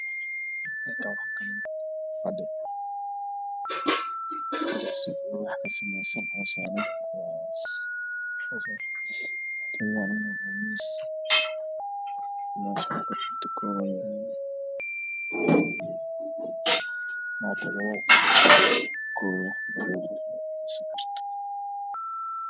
Hal kan waxaa yaalo fadhi cadaan ah